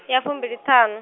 ya fumbiliṱhanu.